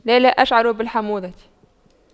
لا لا أشعر بالحموضة